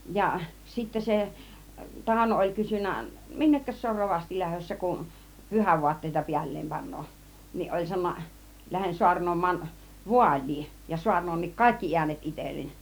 ja sitten se Tauno oli kysynyt minnekäs se on rovasti lähdössä kun pyhävaatteita päälleen panee niin oli sanonut lähden saarnaamaan vaaliin ja saarnaankin kaikki äänet itselleni